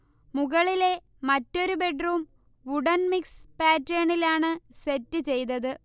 മുകളിലെ മെറ്റാരു bedroom wooden mix പാറ്റേണിലാണ് സെറ്റ് ചെയ്തത്